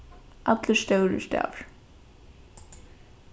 allir stórir stavir